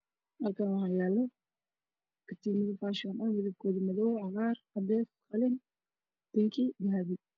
Hslkan waxyalo katinad fashon ah midbkode madow csgar cades qalin binki dahbi